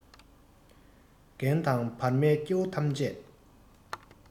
རྒན དང བར མའི སྐྱེ བོ ཐམས ཅད